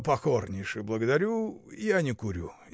— Покорнейше благодарю: я не курю.